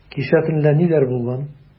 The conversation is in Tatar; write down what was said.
Кичә төнлә ниләр булган?